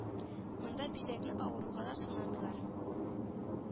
Монда бизгәкне авыруга да санамыйлар.